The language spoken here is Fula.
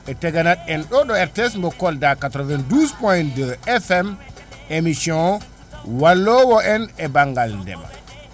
en teganat en ɗo ɗo RTS mo Kolda 92 POINT 2 FM émission wallowo en e banggal ndeema